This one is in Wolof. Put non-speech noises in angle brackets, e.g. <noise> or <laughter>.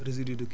<hesitation> <hesitation>